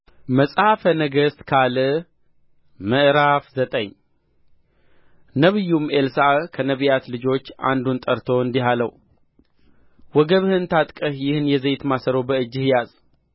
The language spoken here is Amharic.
መጽሐፈ ነገሥት ካልዕ ምዕራፍ ዘጠኝ ነቢዩም ኤልሳዕ ከነቢያት ልጆች አንዱን ጠርቶ እንዲህ አለው ወገብህን ታጥቀህ ይህን የዘይት ማሰሮ በእጅህ ያዝ